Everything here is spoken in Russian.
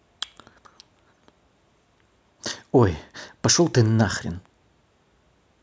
ой пошел ты нахрен